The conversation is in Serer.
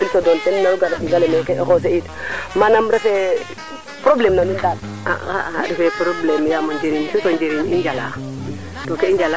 merci beaucoup Mame Boy in way ngid manga a paaxa paax a fiya ngan i ndalfo ndoka kama ɗinga le rek verifier o ndiko nduluñ no dufe dufe le yay booy yong na xon g waaga weta na in gon le